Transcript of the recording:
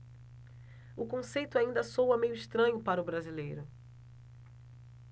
o conceito ainda soa meio estranho para o brasileiro